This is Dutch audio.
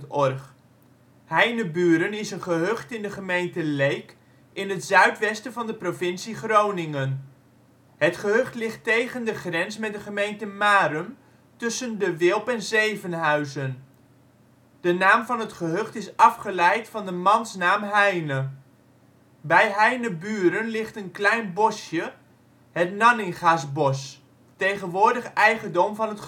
OL Heineburen is een gehucht in de gemeente Leek in het zuidwesten van de provincie Groningen. Het gehucht ligt tegen de grens met de gemeente Marum, tussen De Wilp en Zevenhuizen. De naam van het gehucht is afgeleid van de mansnaam Heine. Bij Heineburen ligt een klein bosje, het Nanninga 's Bosch, tegenwoordig eigendom van